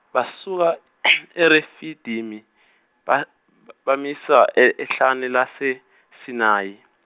basuka eRefidimi ba- bamisa e- ehlane laseSinayi.